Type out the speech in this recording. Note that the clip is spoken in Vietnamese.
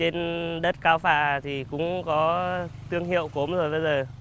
trên đất cao phà thì cũng có thương hiệu cốm rồi bây giờ